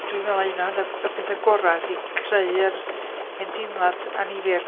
Dwi'n meddwl 'na un o, y pethau gora ydi creu'r hen deimlad annifyr...